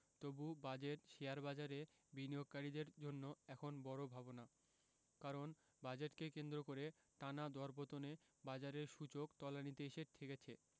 তবু বাজেট শেয়ারবাজারে বিনিয়োগকারীদের জন্য এখন বড় ভাবনা কারণ বাজেটকে কেন্দ্র করে টানা দরপতনে বাজারের সূচক তলানিতে এসে ঠেকেছে